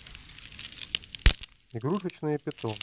игрушечные питомцы